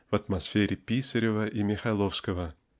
в атмосфере Писарева и Михайловского.